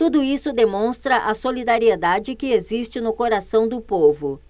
tudo isso demonstra a solidariedade que existe no coração do povo